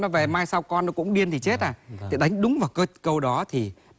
về mai sau con cũng điên thì chết à đánh đúng vào ca câu đó thì